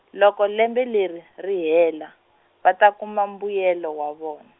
loko lembe leri, ri hela, va ta kuma mbuyelo wa vona.